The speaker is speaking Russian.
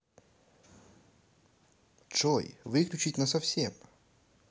джой выключить на совсем